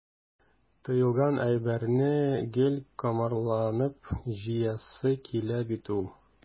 Тыелган әйберне гел комарланып җыясы килә бит ул.